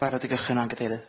Barod i gychwyn wan, Gadeirydd.